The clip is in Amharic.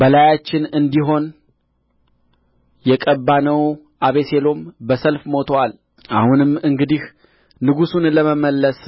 በላያችን እንዲሆን የቀባነው አቤሴሎም በሰልፍ ሞቶአል አሁንም እንግዲህ ንጉሡን ለመመለስ